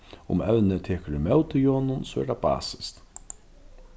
um evnið tekur ímóti jonum so er tað basiskt